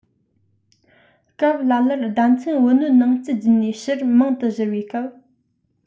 སྐབས ལ ལར ཟླ མཚན བུ སྣོད ནང སྐྱི བརྒྱུད ནས ཕྱིར མང དུ བཞུར བའི སྐབས